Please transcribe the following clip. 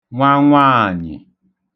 nwa nwaànyị̀